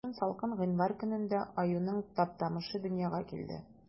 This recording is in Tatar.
Кышын, салкын гыйнвар көнендә, аюның Таптамышы дөньяга килде.